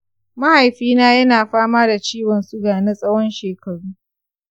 mahaifina ya na fama da ciwon suga na tsawon shekaru.